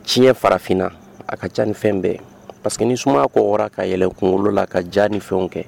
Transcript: Tiɲɛ farafinna a ka caa ni fɛn bɛɛ parce que ni sumaya kɔkɔra ka yɛlnɛ kaɛlɛn kunkolo ka ja ni fɛn kɛ